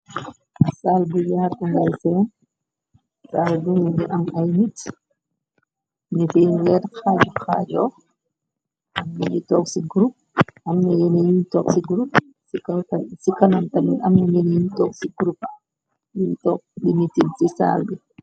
Saal bi yaartu ngay seen saal bi mu ngi am ay nit nityi nu nge xaaju-xaajoox amñny tog ci grup am na yene ñiñ tox ci grup ci kanamtami amna yeneiñ tok li mitig ci saal bi.